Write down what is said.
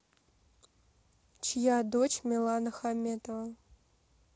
чья дочь милана хаметова